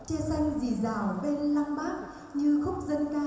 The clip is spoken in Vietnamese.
chia sân rì rào bên lăng bác như khúc dân ta